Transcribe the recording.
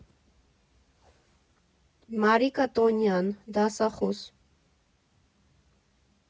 Մարիկա Տոնյան, դասախոս։